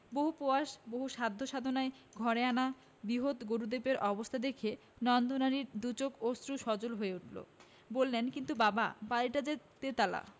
বহু প্রয়াস বহু সাধ্য সাধনায় ঘরে আনা বৃহত্ত গুরুদেবের অবস্থা দেখে নন্দরানীর দু'চোখ অশ্রু সজল হয়ে উঠল বললেন কিন্তু বাবা বাড়িটা যে তেতলা